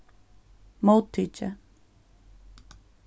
móttikið